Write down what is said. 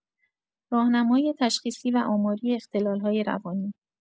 راهنمای تشخیصی و آماری اختلال‌های روانی